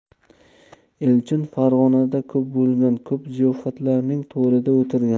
elchin farg'onada ko'p bo'lgan ko'p ziyofatlarning to'rida o'tirgan